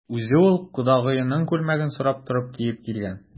Үзе ул кодагыеның күлмәген сорап торып киеп килгән.